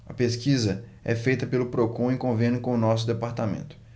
a pesquisa é feita pelo procon em convênio com o diese